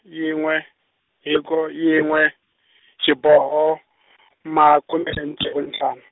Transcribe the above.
yinwe, hiko, yinwe xiboho , makume ntsevu ntlhanu.